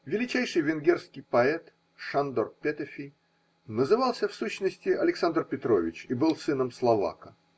Величайший венгерский поэт Шандор Петефи назывался в сущности Александр Петрович и был сыном словака